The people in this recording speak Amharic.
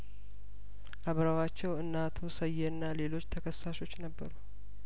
አብረዋቸው እነ አቶ ሰዬና ሌሎቹ ተከሳሾች ነበሩ